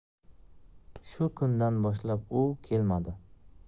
shu kundan boshlab u kelmadi